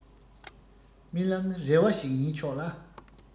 རྨི ལམ ནི རེ བ ཞིག ཡིན ཆོག ལ